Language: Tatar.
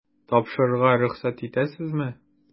Тапшырырга рөхсәт итәсезме? ..